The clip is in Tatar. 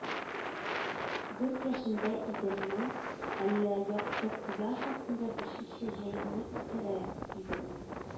Дүрт яшемдә идемме, әллә якты кояш астында бишенче җәемне үткәрә идемме,